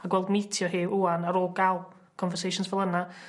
A gweld mîtio hi ŵan ar ôl ga'l conversations fel yna